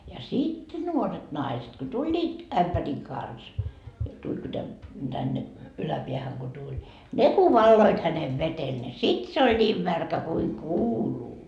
ja sitten nuoret naiset kun tulivat ämpärin kanssa tuli kun - tänne yläpäähän kun tuli ne kun valoivat hänen vedellä niin sitten se oli niin märkä kuin kuuluu